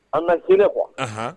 An ka hinɛ kɔhɔn